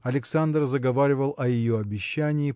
Александр заговаривал о ее обещании